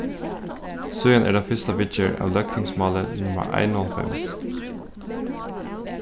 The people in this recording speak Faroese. síðani er tað fyrsta viðgerð av løgtingsmáli nummar einoghálvfems